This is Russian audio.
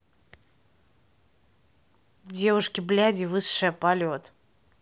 девушки бляди высшее полет